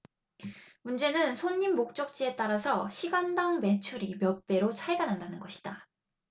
문제는 손님 목적지에 따라서 시간당 매출이 몇 배로 차이가 난다는 것이다